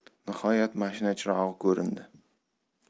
nihoyat mashina chirog'i ko'rindi